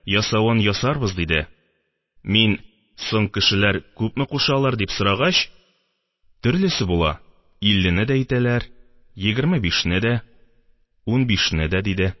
Ясавын ясарбыз, диде. Мин соң кешеләр күпме кушалар, дип сорагач, төрлесе була: иллене дә әйтәләр, егерме бишне дә, унбишне дә, – диде